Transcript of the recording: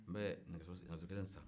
n bɛ nɛgɛso kelen san